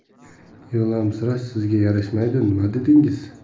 yig'lamsirash sizga yarashmaydi nima dedingiz